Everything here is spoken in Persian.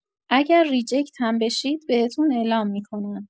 اگر ریجکت هم بشید بهتون اعلام می‌کنن.